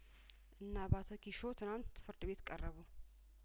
እነ አባተኪሾ ትናንት ፍርድ ቤት ቀረቡ